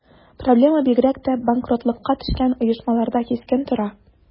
Проблема бигрәк тә банкротлыкка төшкән оешмаларда кискен тора.